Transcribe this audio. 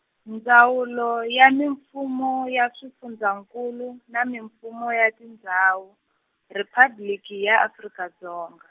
Ndzawulo ya Mimfumo ya Swifundzankulu na Mimfumo ya Tindzhawu, Riphabliki ya Afrika Dzonga.